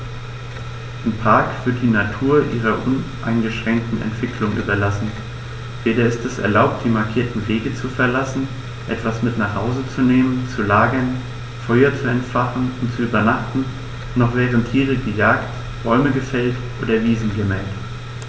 Im Park wird die Natur ihrer uneingeschränkten Entwicklung überlassen; weder ist es erlaubt, die markierten Wege zu verlassen, etwas mit nach Hause zu nehmen, zu lagern, Feuer zu entfachen und zu übernachten, noch werden Tiere gejagt, Bäume gefällt oder Wiesen gemäht.